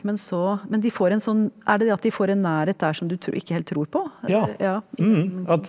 men så men de får en sånn er det det at de får en nærhet der som du ikke helt tror på ja ?